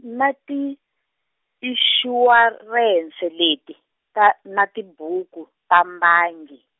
na tinxuwarense leti ta-, na tibuku ta mbangi.